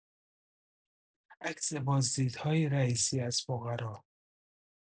عکس بازدیدهای رییسی از فقرا